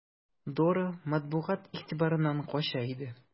Дора матбугат игътибарыннан кача иде.